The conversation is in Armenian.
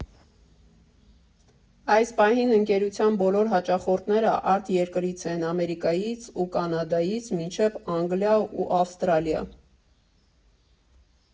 Այս պահին ընկերության բոլոր հաճախորդները արտերկրից են՝ Ամերիկայից ու Կանադայից մինչև Անգլիա ու Ավստրալիա։